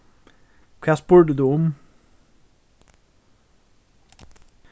hvat spurdi tú um